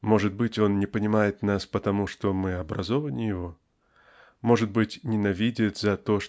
Может быть, он не понимает нас потому, что мы образованнее его? Может быть ненавидит за то